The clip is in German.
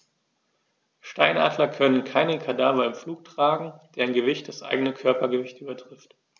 Steinadler können keine Kadaver im Flug tragen, deren Gewicht das eigene Körpergewicht übertrifft.